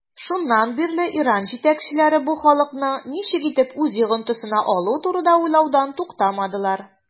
Шуннан бирле Иран җитәкчеләре бу халыкны ничек итеп үз йогынтысына алу турында уйлаудан туктамадылар.